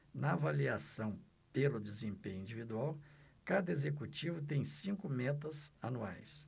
na avaliação pelo desempenho individual cada executivo tem cinco metas anuais